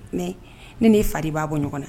Ne ne fa b'a bɔ ɲɔgɔn na